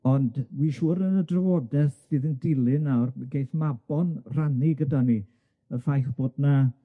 ond wi siŵr yn y drafodeth fydd yn dilyn nawr, mi geith Mabon rannu gyda ni y ffaith bod 'na